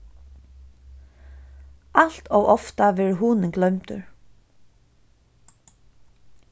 alt ov ofta verður hugnin gloymdur